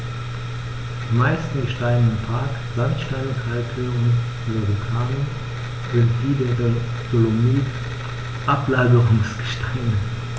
Die meisten Gesteine im Park – Sandsteine, Kalke und Verrucano – sind wie der Dolomit Ablagerungsgesteine.